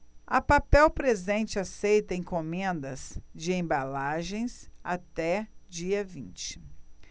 a papel presente aceita encomendas de embalagens até dia vinte